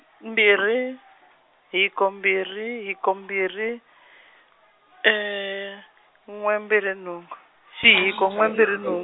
mbirhi, hiko mbirhi hiko mbirhi n'we mbirhi nhungu, xi hiko n'we mbirhi nhun-.